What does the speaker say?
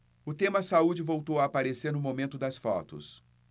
o tema saúde voltou a aparecer no momento das fotos